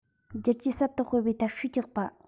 བསྒྱུར བཅོས ཟབ ཏུ སྤེལ བའི ཐད ཤུགས རྒྱག པ